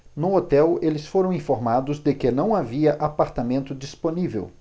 no hotel eles foram informados que não havia apartamento disponível